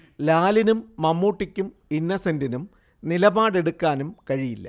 ലാലിനും മമ്മൂട്ടിക്കും ഇന്നസെന്റിനും നിലപാട് എടുക്കാനും കഴിയില്ല